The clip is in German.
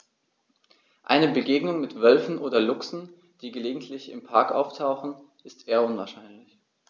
Eine Begegnung mit Wölfen oder Luchsen, die gelegentlich im Park auftauchen, ist eher unwahrscheinlich.